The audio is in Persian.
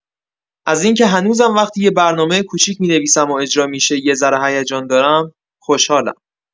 از این که هنوزم وقتی یه برنامۀ کوچیک می‌نویسم و اجرا می‌شه، یه ذره هیجان دارم، خوشحالم.